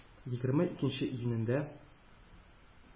Егерме икенче июнендә